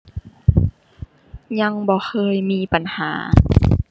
ยังบ่เคยมีปัญหา